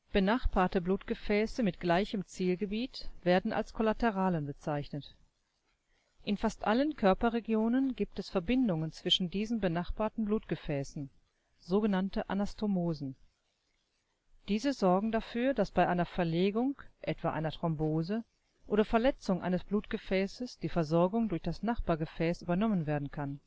Benachbarte Blutgefäße mit gleichem Zielgebiet werden als Kollateralen bezeichnet. In fast allen Körperregionen gibt es Verbindungen zwischen diesen benachbarten Blutgefäßen, sogenannte Anastomosen. Diese sorgen dafür, dass bei einer Verlegung (etwa einer Thrombose) oder Verletzung eines Blutgefäßes die Versorgung durch das Nachbargefäß übernommen werden kann